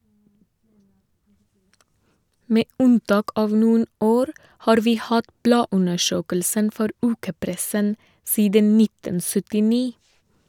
Med unntak av noen år har vi hatt bladundersøkelsen for ukepressen siden 1979.